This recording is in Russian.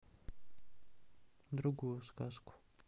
другую сказку